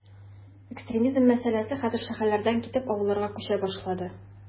Экстремизм мәсьәләсе хәзер шәһәрләрдән китеп, авылларга “күчә” башлады.